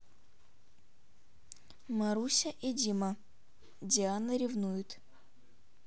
маруся и дима диана ревнует